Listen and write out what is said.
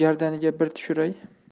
bilan gardaniga bir tushiray